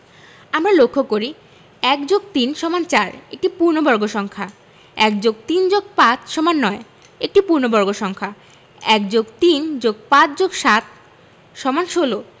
আমরা লক্ষ করি ১+৩=৪ একটি পূর্ণবর্গ সংখ্যা ১+৩+৫=৯ একটি পূর্ণবর্গ সংখ্যা ১+৩+৫+৭=১৬